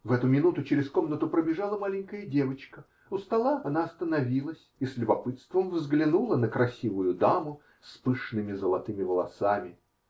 В эту минуту через комнату пробежала маленькая девочка: у стола она остановилась и с любопытством взглянула на красивую даму с пышными золотыми волосами.